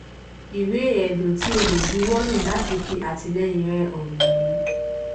Ìwé ẹ̀dùn tí o lè buwọ́lù láti fi àtìlẹ́yìn rẹ hàn ní èyí.